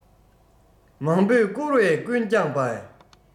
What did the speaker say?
མང པོས བཀུར བས ཀུན བསྐྱངས པས